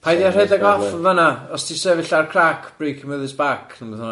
Paid di a rhedeg off yn fan 'na. Os ti'n sefyll ar crac, break your mother's back neu beth bynnag.